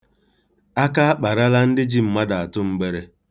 Aka akparala ndị ji mmadụ atụ mgbere.